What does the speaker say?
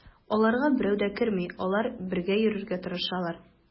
Аларга берәү дә керми, алар бергә йөрергә тырышалар.